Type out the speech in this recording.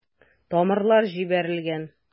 Тамырлар җибәрелгән.